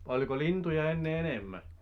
oliko lintuja ennen enemmän